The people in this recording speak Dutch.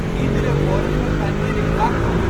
morgen wanneer ik wakker word